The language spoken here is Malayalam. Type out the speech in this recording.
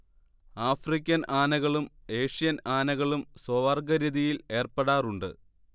ആഫ്രിക്കൻ ആനകളും ഏഷ്യൻ ആനകളും സ്വവർഗ്ഗരതിയിൽ ഏർപ്പെടാറുണ്ട്